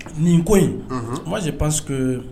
Nin ko in, unhun, mois je panse que